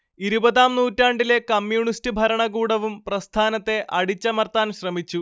ഇരുപതാം നൂറ്റാണ്ടിലെ കമ്മ്യൂണിസ്റ്റു ഭരണകൂടവും പ്രസ്ഥാനത്തെ അടിച്ചമർത്താൻ ശ്രമിച്ചു